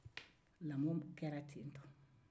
lamɔ kɛla ten tɔ dee